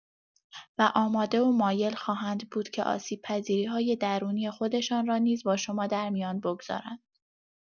و آماده و مایل خواهند بود که آسیب‌پذیری‌های درونی خودشان را نیز با شما در میان بگذارند.